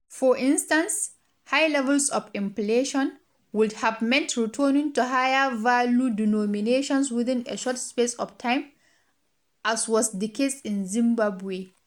For instance, high levels of inflation, would have meant returning to higher value denominations within a short space of time, as was the case in Zimbabwe.